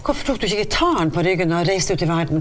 hvorfor tok du ikke gitaren på ryggen og reiste ut i verden?